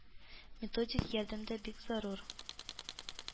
Методик ярдәм дә бик зарур